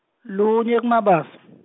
lunye kuMabasa .